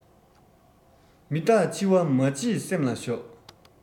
མི རྟག འཆི བ མ བརྗེད སེམས ལ ཞོག